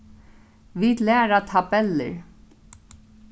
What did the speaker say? vit læra tabellir